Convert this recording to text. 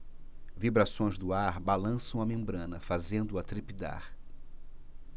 vibrações do ar balançam a membrana fazendo-a trepidar